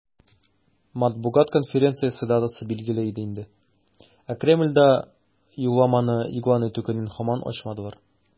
Матбугат конференциясе датасы билгеле иде инде, ә Кремльдә юлламаны игълан итү көнен һаман ачмадылар.